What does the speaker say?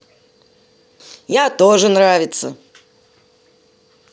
я тоже нравится